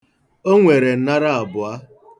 O nwere nnara abụọ.